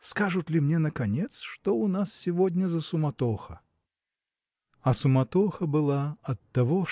Скажут ли мне, наконец, что у нас сегодня за суматоха? А суматоха была оттого